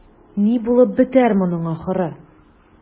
Ни булып бетәр моның ахыры?